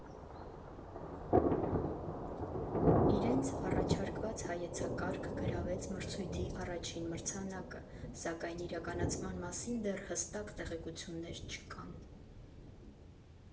Իրենց առաջարկված հայեցակարգը գրավեց մրցույթի առաջին մրցանակը, սակայն իրականացման մասին դեռ հստակ տեղեկություններ չկան։